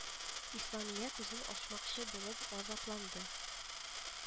Исламия күзен ачмакчы булып азапланды